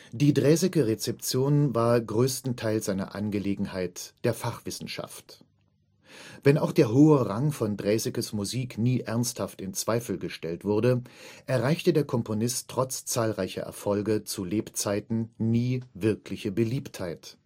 Die Draeseke-Rezeption war größtenteils eine Angelegenheit der Fachwissenschaft. Wenn auch der hohe Rang von Draesekes Musik nie ernsthaft in Zweifel gestellt wurde, erreichte der Komponist trotz zahlreicher Erfolge zu Lebzeiten nie wirkliche Beliebtheit